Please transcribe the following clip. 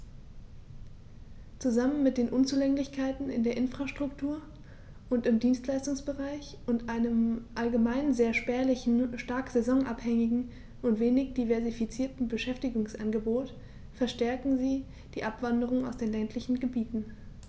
Zusammen mit den Unzulänglichkeiten in der Infrastruktur und im Dienstleistungsbereich und einem allgemein sehr spärlichen, stark saisonabhängigen und wenig diversifizierten Beschäftigungsangebot verstärken sie die Abwanderung aus den ländlichen Gebieten.